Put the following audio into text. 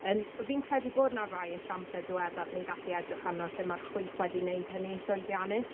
Yym fi'n credu bod 'na rai esiample diweddar ni'n gallu edrych arno lle ma'r chwith wedi wneud hynny'n llwyddiannus.